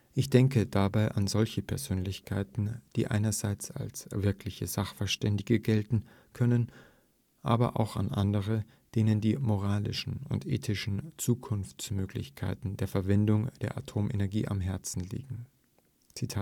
Ich denke dabei an solche Persönlichkeiten, die einerseits als wirkliche Sachverständige gelten können, aber auch an andere, denen die moralischen und ethischen Zukunftsmöglichkeiten der Verwendung der Atomenergie am Herzen liegen. “Im